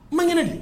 Man kelen de